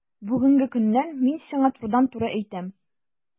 Бүгенге көннән мин сиңа турыдан-туры әйтәм: